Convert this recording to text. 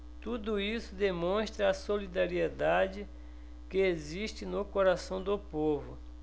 tudo isso demonstra a solidariedade que existe no coração do povo